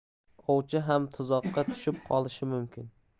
ovchi ham tuzoqqa tushib qolishi mumkin